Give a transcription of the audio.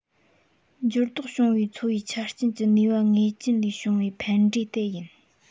འགྱུར ལྡོག བྱུང བའི འཚོ བའི ཆ རྐྱེན གྱི ནུས པ ངེས ཅན ལས བྱུང བའི ཕན འབྲས དེ ཡིན